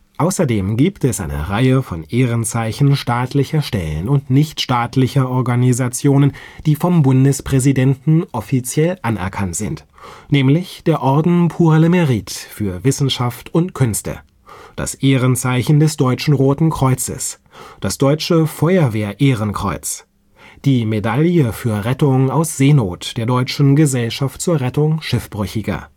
Außerdem gibt es eine Reihe von Ehrenzeichen staatlicher Stellen und nichtstaatlicher Organisationen, die vom Bundespräsidenten offiziell anerkannt sind, nämlich der Orden Pour le Mérite für Wissenschaft und Künste, das Ehrenzeichen des Deutschen Roten Kreuzes, das Deutsche Feuerwehr Ehrenkreuz, die Medaille für Rettung aus Seenot der Deutschen Gesellschaft zur Rettung Schiffbrüchiger